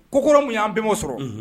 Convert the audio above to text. Ko kɔrɔ mun y'an bemaw sɔrɔ, unhun.